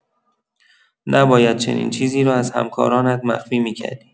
نباید چنین چیزی را از همکارانت مخفی می‌کردی.